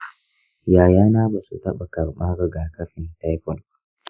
‘ya’yana ba su taɓa ƙarɓan rigakafin taifoid ba.